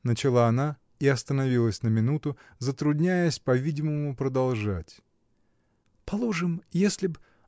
— начала она и остановилась на минуту, затрудняясь, по-видимому, продолжать, — положим, если б.